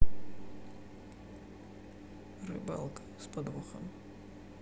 рыбалка с подвохом